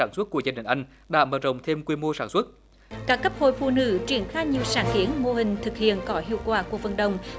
sản xuất của gia đình anh đã mở rộng thêm quy mô sản xuất các cấp hội phụ nữ triển khai nhiều sáng kiến mô hình thực hiện có hiệu quả của vận động